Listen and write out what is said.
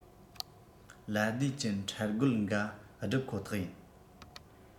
ལད ཟློས གི འཕྲལ རྒོལ འགའ བསྒྲུབ ཁོ ཐག ཡིན